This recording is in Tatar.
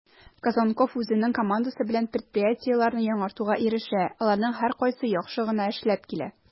Козонков үзенең командасы белән предприятиеләрне яңартуга ирешә, аларның һәркайсы яхшы гына эшләп килә: